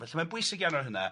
Felly mae'n bwysig iawn ar hynna.